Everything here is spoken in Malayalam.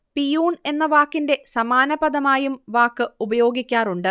പിയൂൺ എന്ന വാക്കിന്റെ സമാന പദമായും വാക്ക് ഉപയോഗിക്കാറുണ്ട്